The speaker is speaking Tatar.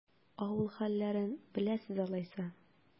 Авыл хәлләрен беләсез алайса?